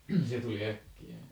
se tuli äkkiä